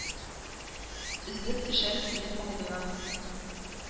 Өзелеп төшәр синең алдыңа.